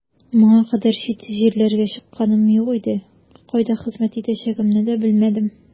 Моңа кадәр чит җирләргә чыкканым юк иде, кайда хезмәт итәчәгемне дә белмәдем.